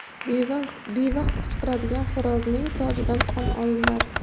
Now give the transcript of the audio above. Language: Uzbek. bevaqt qichqirgan xo'rozning tojidan qon olinar